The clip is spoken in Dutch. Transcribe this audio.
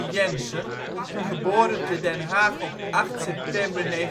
Jensen (Den Haag, 8 september 1981